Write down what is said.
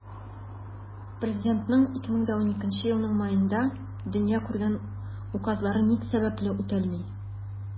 Президентның 2012 елның маенда дөнья күргән указлары ни сәбәпле үтәлми?